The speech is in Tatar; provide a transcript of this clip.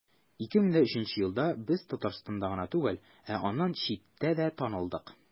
2003 елда без татарстанда гына түгел, ә аннан читтә дә танылдык.